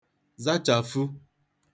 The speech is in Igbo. zachàfu